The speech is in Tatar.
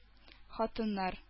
Хатыннар